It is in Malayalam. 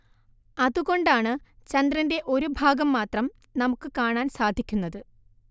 അതുകൊണ്ടാണ് ചന്ദ്രന്റെ ഒരു ഭാഗം മാത്രം നമുക്ക് കാണാൻ സാധിക്കുന്നത്